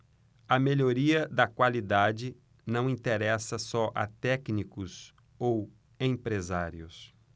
a melhoria da qualidade não interessa só a técnicos ou empresários